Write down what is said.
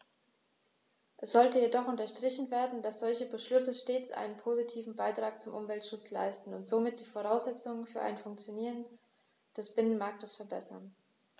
Es sollte jedoch unterstrichen werden, dass solche Beschlüsse stets einen positiven Beitrag zum Umweltschutz leisten und somit die Voraussetzungen für ein Funktionieren des Binnenmarktes verbessern.